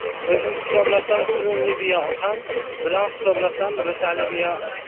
o'zim hisoblasam qulunli biya otam bilan hisoblasam bo'tali biya